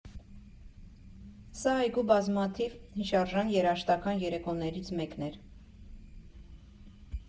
Սա այգու բազմաթիվ հիշարժան երաժշտական երեկոներից մեկն էր։